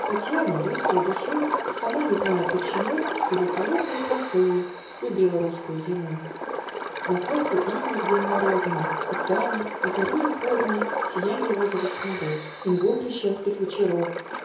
Татьяна (русская душою, Сама не зная почему) С ее холодною красою Любила русскую зиму, На солнце иний в день морозный, И сани, и зарею поздной Сиянье розовых снегов, И мглу крещенских вечеров.